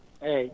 eeyi